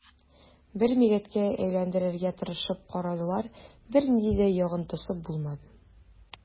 Бер милләткә әйләндерергә тырышып карадылар, бернинди дә йогынтысы булмады.